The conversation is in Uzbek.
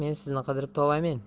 men sizni qidirib tovamen